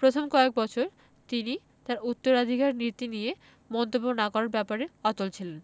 প্রথম কয়েক বছর তিনি তাঁর উত্তরাধিকারীর নীতি নিয়ে মন্তব্য না করার ব্যাপারে অটল ছিলেন